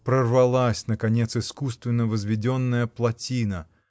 Прорвалась, наконец, искусственно возведенная плотина